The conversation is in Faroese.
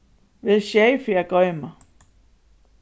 vel sjey fyri at goyma